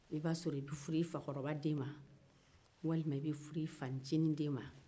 i b'a sɔrɔ i bɛ furu i fakɔrɔba den ma walima i bɛ furu i fanincinin den ma